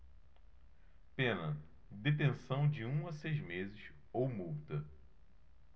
pena detenção de um a seis meses ou multa